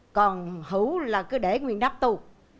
còn hữu là cứ để nguyên nắp tu